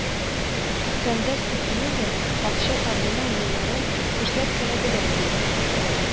Фәндәс Сафиуллин, акча табуның юлларын күрсәткәләделәр бит